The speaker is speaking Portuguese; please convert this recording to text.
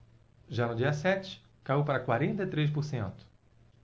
já no dia sete caiu para quarenta e três por cento